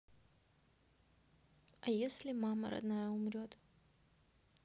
а если мама родная умирает